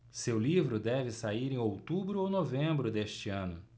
seu livro deve sair em outubro ou novembro deste ano